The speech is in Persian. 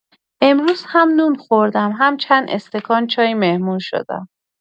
امروز هم نون خوردم، هم چند استکان چای مهمون شدم.